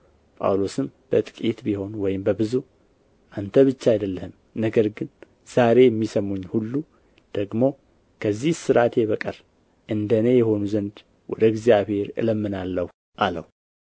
ጳውሎስም በጥቂት ቢሆን ወይም በብዙ አንተ ብቻ አይደለህም ነገር ግን ዛሬ የሚሰሙኝ ሁሉ ደግሞ ከዚህ እስራቴ በቀር እንደ እኔ ይሆኑ ዘንድ ወደ እግዚአብሔር እለምናለሁ አለው